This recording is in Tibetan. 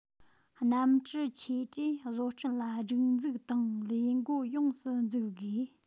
གནམ གྲུ ཆེ གྲས བཟོ སྐྲུན ལ སྒྲིག འཛུགས དང ལས འགོ ཡོངས སུ འཛུགས དགོས